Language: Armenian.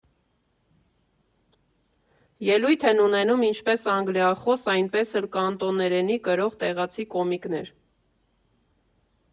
Ելույթ են ունենում ինչպես անգլիախոս, այնպես էլ կանտոներենի կրող տեղացի կոմիկներ։